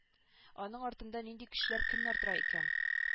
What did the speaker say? Аның артында нинди көчләр кемнәр тора икән